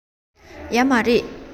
ཡོད མ རེད